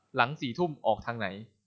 หลังสี่ทุ่มออกทางไหน